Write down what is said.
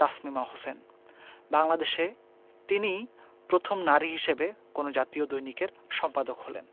তাসমিমা হোসেন বাংলাদেশে তিনিই প্রথম নারী হিসেবে কোনো জাতীয় দৈনিকের সম্পাদক হলেন